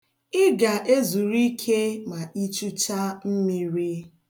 Ị ga-ezuru ike ma ichuchaa mmiri.